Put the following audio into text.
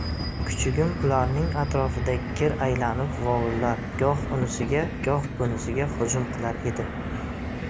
kuchugim ularning atrofida gir aylanib vovullar goh unisiga goh bunisiga hujum qilar edi